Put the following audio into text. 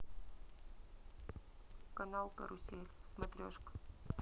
канал карусель смотрешка